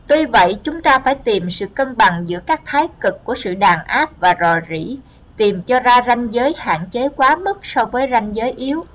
tuy vậy chúng ta phải tìm sự cân bằng giữa các thái cực của sự đàn áp và rò rỉ tìm cho ra ranh giới hạn chế quá mức so với ranh giới yếu